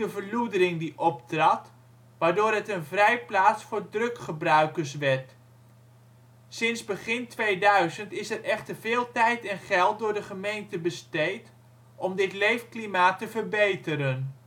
verloedering die optrad, waardoor het een vrijplaats voor druggebruikers werd. Sinds begin 2000 is er echter veel tijd en geld door de gemeente besteed om dit leefklimaat te verbeteren